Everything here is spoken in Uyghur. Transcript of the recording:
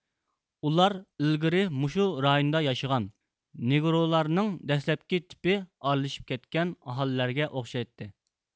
ئۇلار ئىلگىرى مۇشۇ رايوندا ياشىغان نېگرولارنىڭ دەسلەپكى تىپى ئارىلىشىپ كەتكەن ئاھالىلەرگە ئوخشايتتى